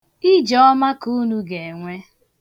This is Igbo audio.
Ijeọma ka unu ga-enwe.